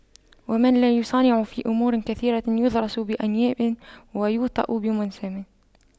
ومن لا يصانع في أمور كثيرة يضرس بأنياب ويوطأ بمنسم